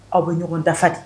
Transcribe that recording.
Aw be ɲɔgɔn dafa de